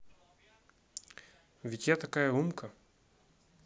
ведь я такая умка